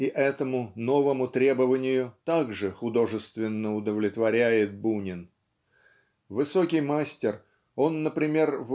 и этому новому требованию так же художественно удовлетворяет Бунин. Высокий мастер он например